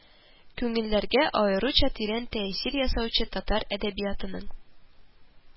Күңелләргә аеруча тирән тәэсир ясаучы, татар әдәбиятының